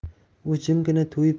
u jimgina to'yib